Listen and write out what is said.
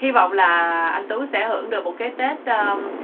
hy vọng là anh tú sẽ hưởng được một cái tết a